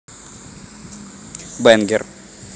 бэнгер